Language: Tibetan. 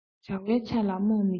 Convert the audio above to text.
བྱ བའི ཆ ལ རྨོངས མི འགྱུར